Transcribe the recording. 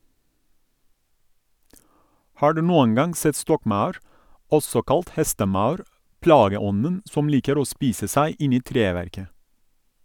Har du noen gang sett stokkmaur, også kalt hestemaur, plageånden som liker å spise seg inn i treverket?